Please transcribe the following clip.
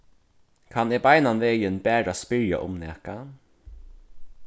kann eg beinanvegin bara spyrja um nakað